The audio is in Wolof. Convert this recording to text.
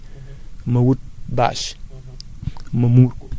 bu fi sama doole yemee bu sama li ma waroon utiliser yépp jeexee